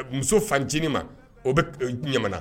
Muso fancinin ma o bɛ p Ɲamana